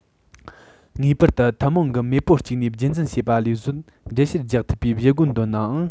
ངེས པར དུ ཐུན མོང གི མེས པོ གཅིག ནས རྒྱུད འཛིན བྱས པ ལས གཟོད འགྲེལ བཤད རྒྱག ཐུབ པའི བཞེད དགོངས བཏོན ནའང